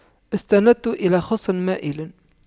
استندت إلى خصٍ مائلٍ